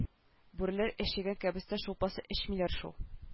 Бүреләр әчегән кәбестә шулпасы эчмиләр шул